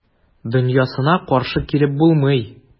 Дөньясына каршы килеп булмый.